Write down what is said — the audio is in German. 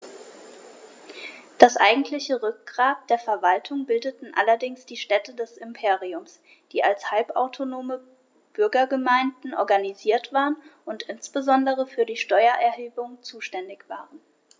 Das eigentliche Rückgrat der Verwaltung bildeten allerdings die Städte des Imperiums, die als halbautonome Bürgergemeinden organisiert waren und insbesondere für die Steuererhebung zuständig waren.